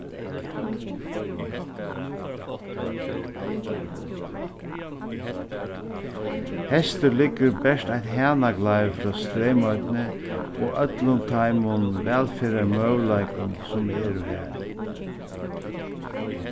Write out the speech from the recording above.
hestur liggur bert eitt hanagleiv frá streymoynni og øllum teimum vælferðarmøguleikunum sum eru har